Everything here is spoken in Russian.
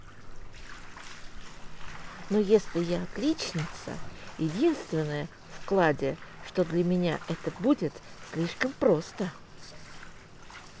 ну если я отличница единственное вкладе что для меня это будет слишком просто